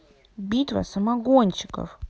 битва самогонщиков